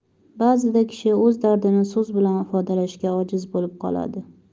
ba'zida kishi o'z dardini so'z bilan ifodalashga ojiz bo'lib qoladi